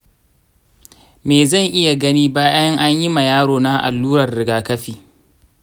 me zan iya gani bayan anyima yarona allurar rigafi?